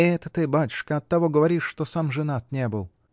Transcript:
-- Это ты, батюшка, оттого говоришь, что сам женат не был.